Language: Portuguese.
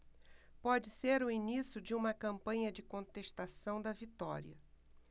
pode ser o início de uma campanha de contestação da vitória